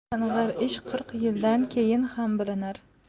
qing'ir ish qirq yildan keyin ham bilinar